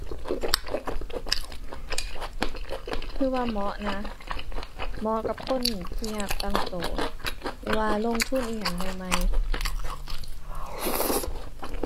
ถือว่าเหมาะนะ เหมาะกับคนที่อยากตั้งตัว หรือว่าลงทุนอิหยังใหม่ใหม่